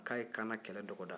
k'a ye kaana kɛlɛ dɔgɔda